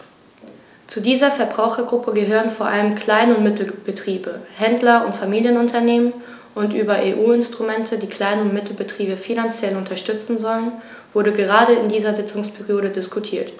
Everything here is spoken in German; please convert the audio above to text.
Zu dieser Verbrauchergruppe gehören vor allem Klein- und Mittelbetriebe, Händler und Familienunternehmen, und über EU-Instrumente, die Klein- und Mittelbetriebe finanziell unterstützen sollen, wurde gerade in dieser Sitzungsperiode diskutiert.